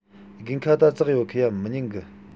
དགུན ཁ ད ཙག ཁོའུ ཡས མི ཉན གི